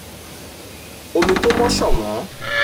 Omi tó mọ́ ṣọ̀wọ́n."